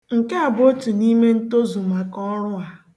Nke a bụ otu n'ime ntozu maka ọrụ a